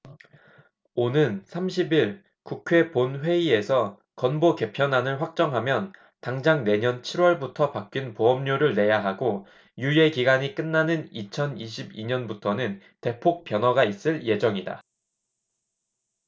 오는 삼십 일 국회 본회의에서 건보 개편안을 확정하면 당장 내년 칠 월부터 바뀐 보험료를 내야 하고 유예 기간이 끝나는 이천 이십 이 년부터는 대폭 변화가 있을 예정이다